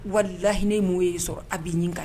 Wali lahini mɔgɔw y ye sɔrɔ a bɛ ɲini ka